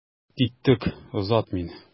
Киттек, озат мине.